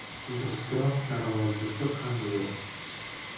durustroq darvozasi ham yo'q